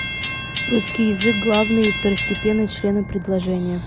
русский язык главные и второстепенные члены предложения